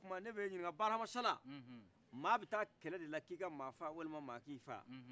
o kuma bakari hama sala ma bi ta kɛlɛ de la k'i ka ma faa walima ma k' i faa